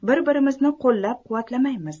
bir birimizni qo'llab quvvatlamaymiz